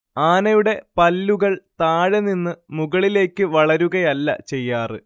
ആനയുടെ പല്ലുകൾ താഴെനിന്ന് മുകളിലേക്ക് വളരുകയല്ല ചെയ്യാറ്